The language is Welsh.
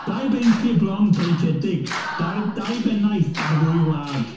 Dau benci blond breintiedig, dau dau bennaeth ar ddwy wlad.